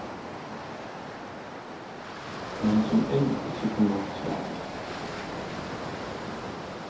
men sum enn ikki kunna svarast